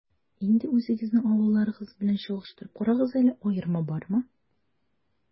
Инде үзегезнең авылларыгыз белән чагыштырып карагыз әле, аерма бармы?